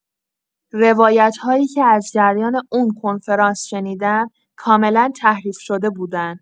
روایت‌هایی که از جریان اون کنفرانس شنیدم، کاملا تحریف‌شده بودن.